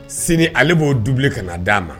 Sini ale b'o du ka na d'a ma